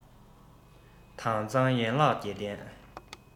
དྭངས གཙང ཡན ལག བརྒྱད ལྡན